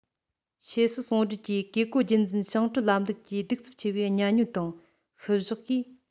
ཆོས སྲིད ཟུང འབྲེལ གྱི བཀས བཀོད རྒྱུད འཛིན ཞིང བྲན ལམ ལུགས ཀྱི གདུག རྩུབ ཆེ བའི གཉའ གནོན དང བཤུ གཞོག གིས